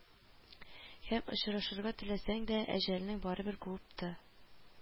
Һәм очрашырга теләсәң дә, әҗәлнең барыбер куып то